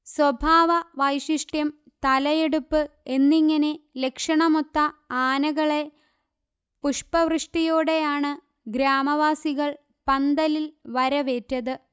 സ്വഭാവ വൈശിഷ്ട്യം തലയെടുപ്പ് എന്നിങ്ങനെ ലക്ഷണമൊത്ത ആനകളെ പുഷ്പ വൃഷ്ടിയോടെയാണു ഗ്രാമവാസികൾ പന്തലിൽ വരവേറ്റത്